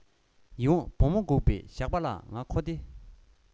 ཡིད འོང བུ མོ འགུགས པའི ཞགས པ ལའང ང མཁོ སྟེ